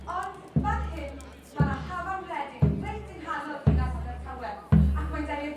Ond fan hyn ma' 'na hafan wledig reit yng nghanol dinas Abertawe ac mae'n denu'r